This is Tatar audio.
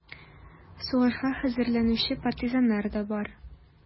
Сугышка хәзерләнүче партизаннар да бар: